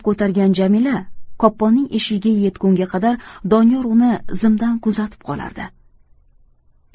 ko'targan jamila kopponning eshigiga yetgunga qadar doniyor uni zimdan kuzatib qolardi